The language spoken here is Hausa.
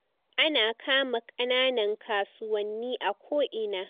Ana kama kananan kasuwanni a ko'ina. "